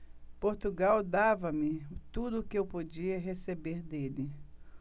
portugal dava-me tudo o que eu podia receber dele